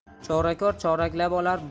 chorakor choraklab olar